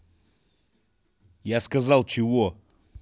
я сказал чего